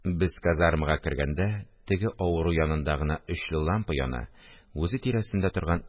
Без казармага кергәндә, теге авыру янында гына өчле лампа яна, үзе тирәсендә торган